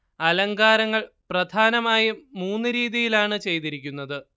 അലങ്കാരങ്ങൾ പ്രധാനമായും മൂന്നു രീതിയിലാണ് ചെയ്തിരിക്കുന്നത്